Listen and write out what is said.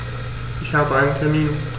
Ich habe einen Termin.